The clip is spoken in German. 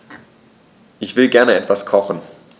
Ich will gerne etwas kochen.